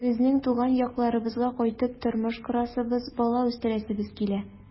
Безнең туган якларыбызга кайтып тормыш корасыбыз, бала үстерәсебез килә.